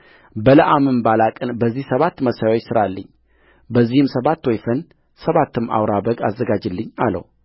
በለዓምም ባላቅን በዚህ ሰባት መሠዊያዎች ሥራልኝ በዚህም ሰባት ወይፈን ሰባትም አውራ በግ አዘጋጅልኝ አለው